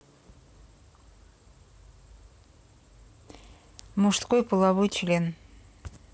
мужской половой член